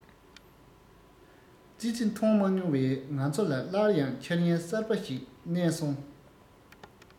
ཙི ཙི མཐོང མ མྱོང བའི ང ཚོ ལ སླར ཡང འཆར ཡན གསར པ ཞིག བསྣན སོང